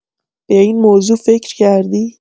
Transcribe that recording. به این موضوع فکر کردی؟